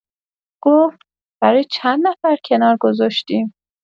گفت: «برای چند نفر کنار گذاشتیم.»